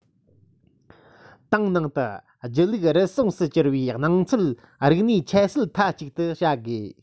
ཏང ནང དུ སྒྱིད ལུག རུལ སུངས སུ གྱུར པའི སྣང ཚུལ གནས རིགས ཁྱད བསད མཐའ གཅིག ཏུ བྱ དགོས